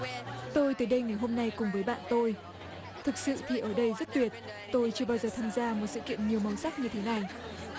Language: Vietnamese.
tôi tới đây ngày hôm nay cùng với bạn tôi thực sự thì ở đây rất tuyệt tôi chưa bao giờ tham gia một sự kiện nhiều màu sắc như thế này